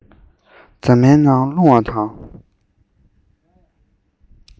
རྫ མའི ནང ལྷུང བ དང